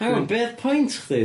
'Ang on, be' o'dd point chdi?